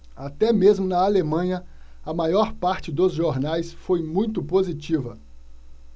até mesmo na alemanha a maior parte dos jornais foi muito positiva